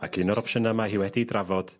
Ac un o'r opsiyna ma' hi wedi drafod